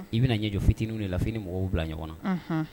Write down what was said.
I bɛna ɲɛ jɔ fitininw de lafinini ni mɔgɔw bila ɲɔgɔn na